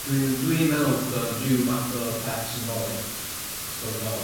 dwi dwi yn meddwl bod o'n ryw fath o peth symbolic, ti'n gwbo be dwi fe'wl?